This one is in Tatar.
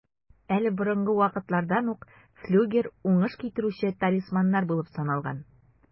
Әле борынгы вакытлардан ук флюгер уңыш китерүче талисманнар булып саналган.